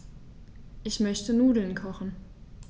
Ich möchte Nudeln kochen.